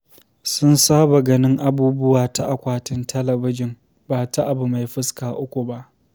Sun saba ganin abubuwa ta akwatin talabijin, ba ta abu mai fuska uku ba.